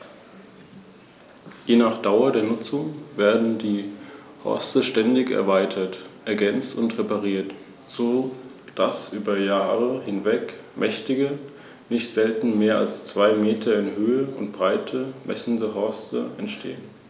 Weibchen wiegen 3,8 bis 6,7 kg, die leichteren Männchen 2,8 bis 4,6 kg. Steinadler haben 11 Handschwingen, die äußerste (11.) Handschwinge ist jedoch sehr klein.